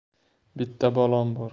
bitta bolam bor